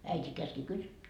äiti käski kysyä